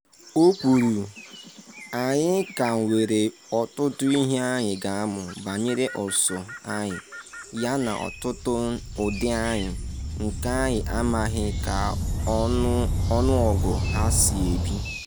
O kwuru: “Anyị ka nwere ọtụtụ ihe anyị ga-amụ banyere ụsụ anyị yana ọtụtụ ụdị anyị, nke anyị amaghị ka ọnụọgụ ha si ebi.”